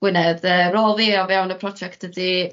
Gwyned. Yy rôl fi o fewn y project ydi...